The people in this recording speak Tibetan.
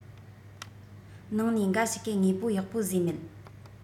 ནང ནས འགའ ཞིག གིས དངོས པོ ཡག པོ བཟོས མེད